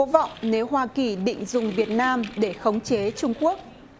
vô vọng nếu hoa kỳ định dùng việt nam để khống chế trung quốc